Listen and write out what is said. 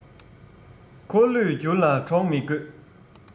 འཁོར ལོས བསྒྱུར ལ གྲོགས མི དགོས